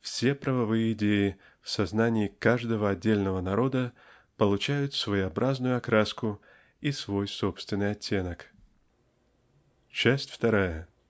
Все правовые идеи в сознании каждого отдельного народа получают своеобразную окраску и свой собственный оттенок. Часть вторая.